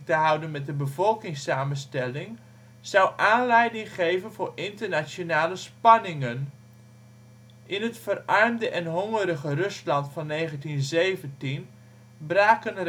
houden met de bevolkingssamenstelling zou aanleiding geven voor internationale spanningen. In het verarmde en hongerige Rusland van 1917 braken